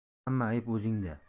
hamma ayb o'zingda